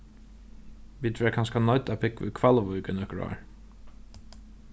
vit verða kanska noydd at búgva í hvalvík í nøkur ár